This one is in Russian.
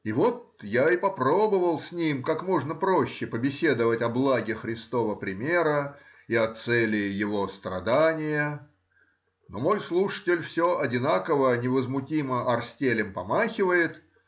И вот я и попробовал с ним как можно проще побеседовать о благе Христова примера и о цели его страдания,— но мой слушатель все одинаково невозмутимо орстелем помахивает.